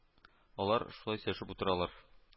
Алар шулай сөйләшеп утыралар